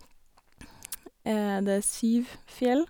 er Det er syv fjell.